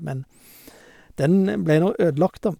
Men den blei nå ødelagt, da.